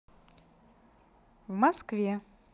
в москве